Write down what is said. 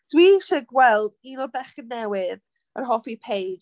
Dwi eisiau gweld un o'r bechgyn newydd yn hoffi Paige.